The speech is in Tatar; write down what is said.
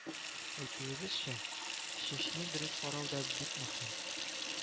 Әйтүебезчә, чәчне дөрес карау да бик мөһим